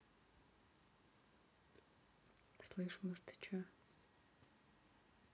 слышь мышь ты че